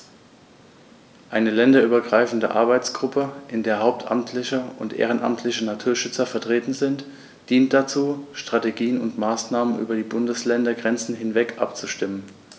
Eine länderübergreifende Arbeitsgruppe, in der hauptamtliche und ehrenamtliche Naturschützer vertreten sind, dient dazu, Strategien und Maßnahmen über die Bundesländergrenzen hinweg abzustimmen.